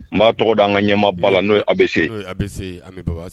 N ba tɔgɔ da an ka ɲɛmaa ba la. No ye A B C ye.